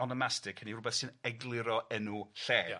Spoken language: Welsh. onomastic, hynny yw rwbeth sy'n egluro enw lle. Ia.